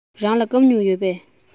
རང ལ སྐམ སྨྱུག ཡོད པས